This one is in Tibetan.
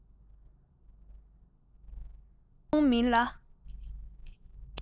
ཐུང ཐུང མིན ལ